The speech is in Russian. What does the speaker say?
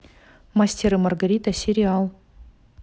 мастер и маргарита сериал